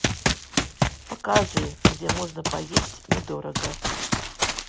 покажи где можно поесть недорого